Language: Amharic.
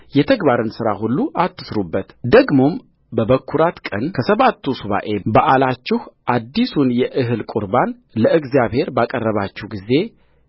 የተግባርን ሥራ ሁሉ አትሥሩበትደግሞ በበኵራት ቀን ከሰባቱ ሱባዔ በዓላችሁ አዲሱን የእህል ቍርባን ለእግዚአብሔር ባቀረባችሁ ጊዜ